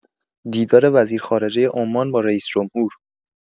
دیدار وزیر خارجه عمان با رئیس‌جمهور